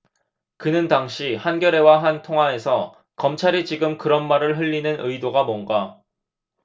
그는 당시 한겨레 와 한 통화에서 검찰이 지금 그런 말을 흘리는 의도가 뭔가